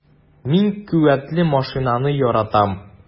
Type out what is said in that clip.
Мин куәтле машинаны яратам.